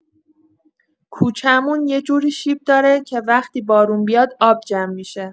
کوچه‌مون یه جوری شیب‌داره که وقتی بارون بیاد، آب جمع می‌شه.